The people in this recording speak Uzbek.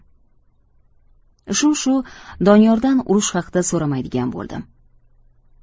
shu shu doniyordan urush haqida so'ramaydigan bo'ldim